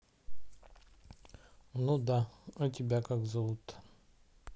ну да а тебя как зовут